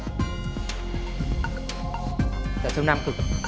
châu nam